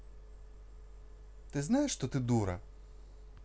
ты знаешь что ты дура